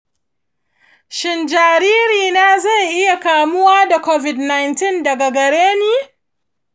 shin jaririna zai iya kamuwa da covid-19 daga gare ni?